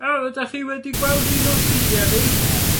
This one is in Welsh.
O rydach chi wedi gweld un o sgidia fi? O ia.